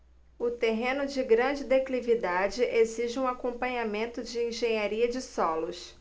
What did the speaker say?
o terreno de grande declividade exige um acompanhamento de engenharia de solos